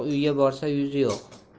uyga borsa yuzi yo'q